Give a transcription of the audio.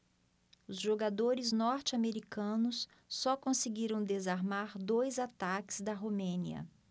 os jogadores norte-americanos só conseguiram desarmar dois ataques da romênia